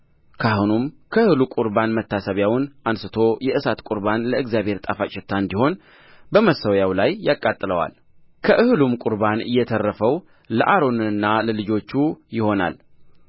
ካህኑም ከእህሉ ቍርባን መታሰቢያውን አንሥቶ የእሳት ቍርባን ለእግዚአብሔር ጣፋጭ ሽታ እንዲሆን በመሠዊያው ላይ ያቃጥለዋልከእህሉም ቍርባን የተረፈው ለአሮንና ለልጆቹ ይሆናል